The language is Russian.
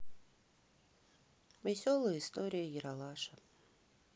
веселые истории ералаша